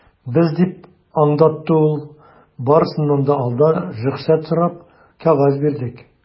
Без, - дип аңлатты ул, - барысыннан алда рөхсәт сорап кәгазь бирдек.